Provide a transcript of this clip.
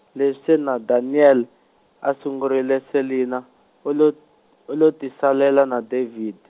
leswi se na Daniel, a sungurile Selinah, u lo- u lo tisalela na David.